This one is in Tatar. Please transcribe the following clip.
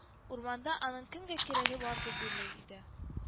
Урманда аның кемгә кирәге бар!» дип уйлый иде